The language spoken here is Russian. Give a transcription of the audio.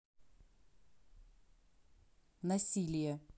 насилие